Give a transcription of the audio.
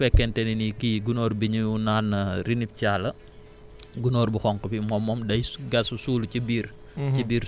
voilà bu fekkente ne ni kii gunóor bi ñu naan runibia la gunóor bu xonk bi moom moom day su gasu suulu ci biir